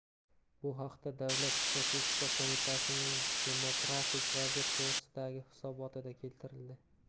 bu haqda davlat statistika qo'mitasining demografik vaziyat to'g'risidagi hisobotida keltirildi